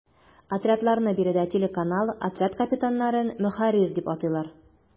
Отрядларны биредә “телеканал”, отряд капитаннарын “ мөхәррир” дип атыйлар.